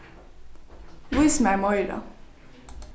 vís mær meira